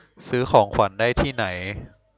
ซื้อของขวัญได้ที่ไหน